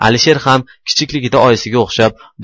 alisher ham kichikligida oyisiga o'xshab